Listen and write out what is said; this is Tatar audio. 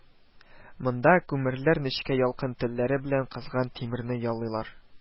Монда күмерләр нечкә ялкын телләре белән кызган тимерне ялыйлар